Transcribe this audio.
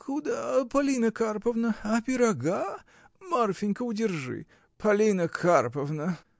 — Куда, Полина Карповна: а пирога? Марфинька, удержи! Полина Карповна!